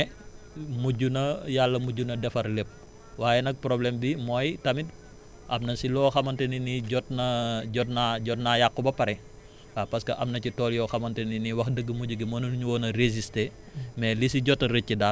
voilà mais mujj na yàlla mujj na defar lépp waaye nag problème bi mooy tamit am na si loo xamante ne ni jot naa jot naa jot naa yàqu ba pare waaw parce que am na ci tool yoo xamante ne ni wax dëgg mujj gi mënuñu woon a résister